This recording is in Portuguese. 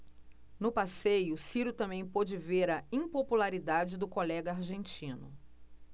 no passeio ciro também pôde ver a impopularidade do colega argentino